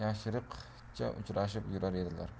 yashiriqcha uchrashib yurar edilar